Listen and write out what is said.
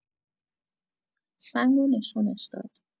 سنگو نشونش داد.